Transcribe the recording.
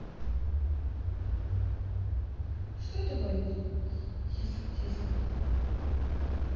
что такое тиск тиск